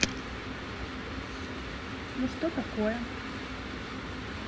ну что такое